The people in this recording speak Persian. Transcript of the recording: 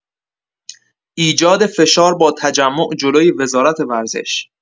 ایجاد فشار با تجمع جلوی وزارت ورزش